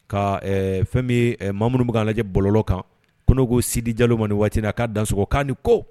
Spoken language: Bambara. Ka fɛn min ye maa minnu bɛk'an lajɛ bɔlɔ kan ko n' ko Sidi Jalo man nin waati in na k'a dansoɔgɔ k'a ni ko!